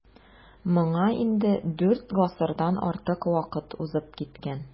Моңа инде дүрт гасырдан артык вакыт узып киткән.